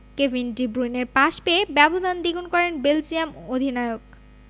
Kevin De ব্রুইনের pass পেয়ে ব্যবধান দ্বিগুণ করেন বেলজিয়ান অধিনায়ক